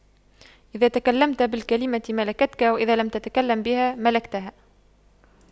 إذا تكلمت بالكلمة ملكتك وإذا لم تتكلم بها ملكتها